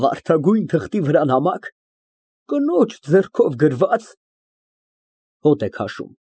Վարդագույն թղթի վրա նամա՞կ, կնոջ ձեռքով գրվա՞ծ։ (Հոտ է քաշում)։